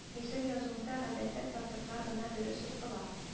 Мисыр язуында, гадәттә, тартыклар гына дөрес укыла